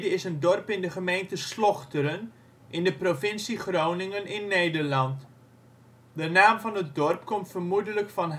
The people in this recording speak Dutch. is een dorp in de gemeente Slochteren in de provincie Groningen (Nederland). De naam van het dorp komt vermoedelijk van